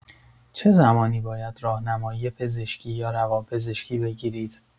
چه زمانی باید راهنمایی پزشکی یا روان‌پزشکی بگیرید؟